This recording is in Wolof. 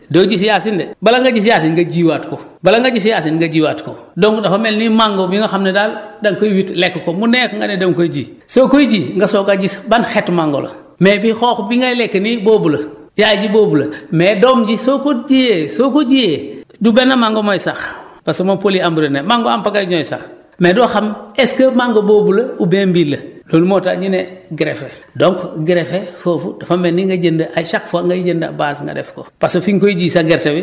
yow soo ko góobee doo gis Yacine de bala nga gis Yacine nga jiwaat ko donc dafa mel ni mango bi nga xam ni daal da nga koy witt lekk ko mu neex nga ne da nga koy ji soo koy ji nga soog a gis ban xeetu mango la mais bii xoox bi ngay lekk nii boobu la yaay ji boobu la mais doom ji soo ko jiyee boo ko jiyee du benn mango mooy sax parce que moom poly !fra ambrine la mango en pagaille ngay sax mais doo xam est ce que mango boobu la oubien bii la loolu moo tax ñu ne gréfé donc gréfé foofu dafa mel ni nga jënd à chaque fois nga jënd bâche nga def ko